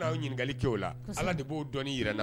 Ɲinili ke la ala de b'o dɔni na